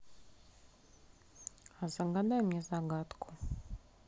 а загадай мне загадку